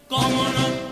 Ko